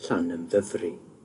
Llanymddyfri.